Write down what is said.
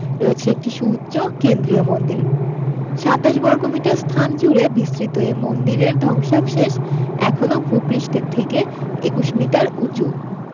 রয়েছে একটি সুউচ্চ কেন্দ্রীয় মন্দির ২৭ বর্গমিটার স্থান জুড়ে বিস্তৃত এ মন্দিরের ধ্বংসাবশেষ এখনও ভূ পৃষ্ঠ থেকে ২১ মিটার উঁচু